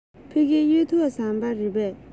ཕ གི གཡུ ཐོག ཟམ པ རེད པས